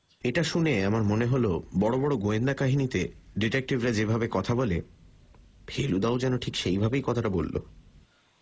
এটা শুনে আমার মনে হল বড় বড় গোয়েন্দাকাহিনীতে ডিটেকটিভরা যে ভাবে কথা বলে ফেলুদাও যেন ঠিক সেইভাবেই কথাটা বলল